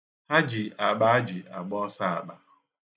Ha ji akpa ajị gba ọsọ akpa.